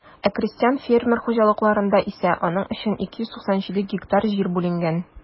Ә крестьян-фермер хуҗалыкларында исә аның өчен 297 гектар җир бүленгән.